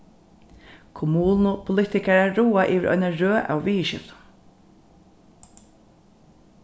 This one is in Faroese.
kommunupolitikarar ráða yvir eini røð av viðurskiftum